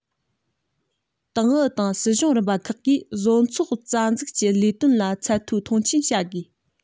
ཏང ཨུ དང སྲིད གཞུང རིམ པ ཁག གིས བཟོ ཚོགས རྩ འཛུགས ཀྱི ལས དོན ལ ཚད མཐོའི མཐོང ཆེན བྱ དགོས